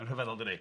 Yn rhyfeddol dydi?